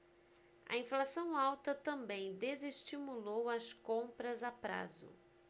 a inflação alta também desestimulou as compras a prazo